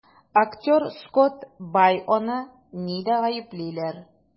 Актер Скотт Байоны нидә гаеплиләр?